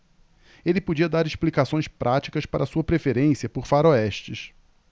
ele podia dar explicações práticas para sua preferência por faroestes